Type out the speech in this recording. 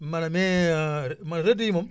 maanaam nee ma rëdd yi moom